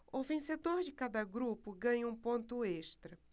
o vencedor de cada grupo ganha um ponto extra